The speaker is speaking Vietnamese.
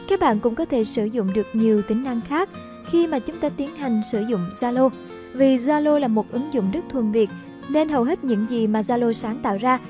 các bạn cũng có thể sử dụng được nhiều tính năng khác khi mà chúng ta tiến hành sử dụng zalo vì zalo là ứng dụng rất thuần việt nên hầu hết những gì mà zalo sáng tạo ra